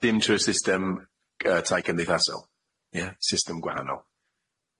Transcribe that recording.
Dim trw'r system yy tai cymdeithasol ie? System gwahanol.